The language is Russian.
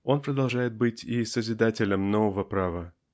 он продолжает быть и созидателем нового права